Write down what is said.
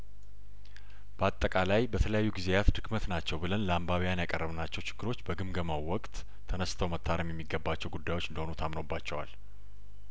ባጠቃላይ በተለያዩ ጊዜያት ድክመት ናቸው ብለን ለአንባቢያን ያቀረብ ናቸው ችግሮች በግምገማው ወቅት ተነስተው መታረም የሚገባቸው ጉዳዮች እንደሆኑ ታምኖባቸዋል